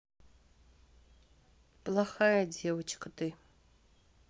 плохая девочка ты